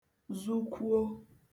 zụkwuo